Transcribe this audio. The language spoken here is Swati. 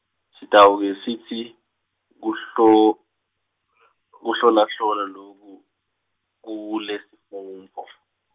Sitawuke sitsi kuhlo- kuhlolahlola loku kulesifundvo.